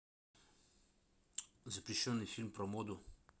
запрещенный фильм про моду